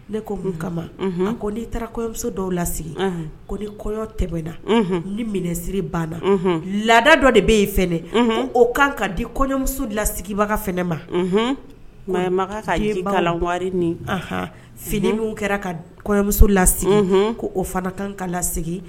Ne ko mun kama ko n'i taara kɔɲɔmuso dɔw lasigi ko ni kɔyɔ tɛ bɛna ni minɛnsiriri banna laada dɔ de bɛ yen f o kan ka di kɔɲɔmuso lasigibaga f ma maama ka kalanwa niɔnan fini min kɛra ka kɔɲɔmuso lasigi ko o fana kan ka lasigi